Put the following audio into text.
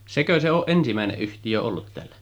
sekö se on ensimmäinen yhtiö ollut täällä